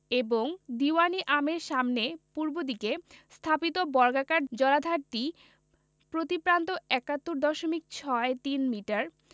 এবং দীউয়ান ই আমের সামনে পূর্ব দিকে স্থাপিত বর্গাকার জলাধারটি প্রতি প্রান্ত ৭১ দশমিক ছয় তিন মিটার